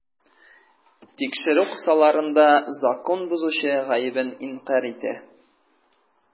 Тикшерү кысаларында закон бозучы гаебен инкарь итә.